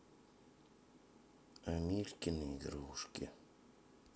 амелькины игрушки